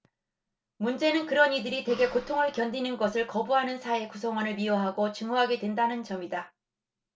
문제는 그런 이들이 대개 고통을 견디는 것을 거부하는 사회 구성원을 미워하고 증오하게 된다는 점이다